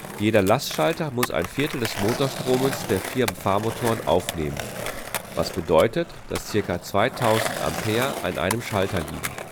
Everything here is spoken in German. Jeder Lastschalter muss ein Viertel des Motorstromes der vier Fahrmotoren aufnehmen, was bedeutet, dass ca. 2000 Ampere an einem Schalter liegen